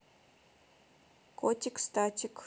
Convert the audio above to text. котик статик